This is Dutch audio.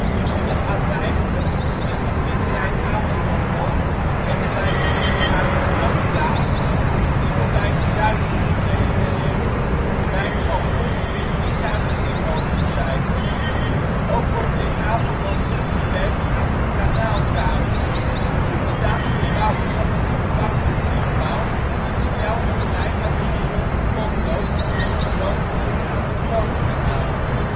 Tussen de A50, industrieterrein Apeldoorn-Noord en de wijk Zevenhuizen/Anklaar wordt de nieuwe wijk Zuidbroek gerealiseerd; de wijk zal ongeveer 10.000 inwoners krijgen. Ook wordt er in Apeldoorn druk gewerkt aan de kanaalkades. De bestaande bebouwing zal worden vervangen door nieuwbouw in een stijl vergelijkbaar met die rond " Het Potlood ", een woontoren aan de Koningshaven